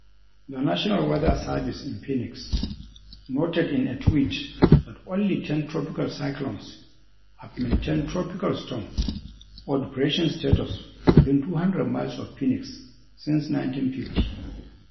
The National Weather Service in Phoenix noted in a tweet that only "ten tropical cyclones have maintained tropical storm or depression status within 200 miles of Phoenix since 1950!